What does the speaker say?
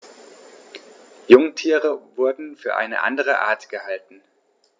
Jungtiere wurden für eine andere Art gehalten.